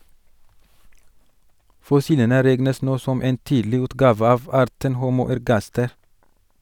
Fossilene regnes nå som en tidlig utgave av arten Homo ergaster.